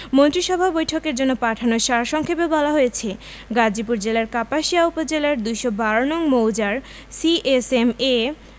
মন্ত্রিসভা বৈঠকের জন্য পাঠানো সার সংক্ষেপে বলা হয়েছে গাজীপুর জেলার কাপাসিয়া উপজেলার ২১২ নং মৌজার সি এস এম এ